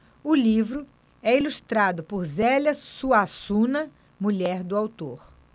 o livro é ilustrado por zélia suassuna mulher do autor